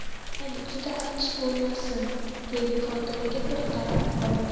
mayli juda achchiq bo'lmasin dedi kotibaga bir qarab olib